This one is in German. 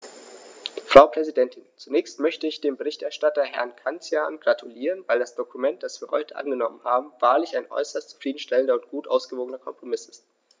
Frau Präsidentin, zunächst möchte ich dem Berichterstatter Herrn Cancian gratulieren, weil das Dokument, das wir heute angenommen haben, wahrlich ein äußerst zufrieden stellender und gut ausgewogener Kompromiss ist.